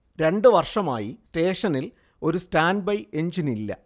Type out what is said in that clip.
രണ്ടു വർഷമായി സ്റ്റേഷനിൽ ഒരു സ്റ്റാന്റ് ബൈ എഞ്ചിനില്ല